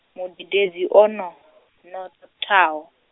mudededzi o no , nothaho.